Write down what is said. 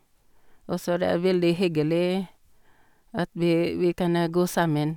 Og så det er veldig hyggelig at vi vi kan gå sammen.